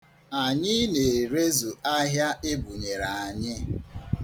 Anyị na-erezu ahịa ebunyere anyị.